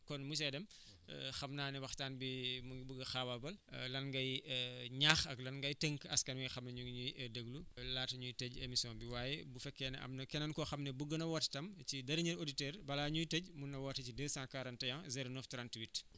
kon monsieur Deme xam naa ne waxtaan bi mu mu ngi xaabaabal lan ngay ñaax ak lan ngay tënk askan wi nga xam ne ñu ngi ñuy déglu laata ñuy tëj émission bi waaye bu fekkee ne am na keneen koo xam ne bëgg na woote tam ci dernier auditeur balaa ñuy tëj mun na woote ci 241 09 38